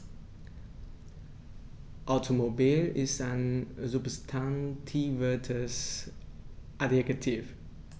Automobil ist ein substantiviertes Adjektiv.